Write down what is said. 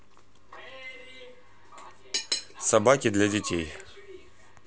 собаки для детей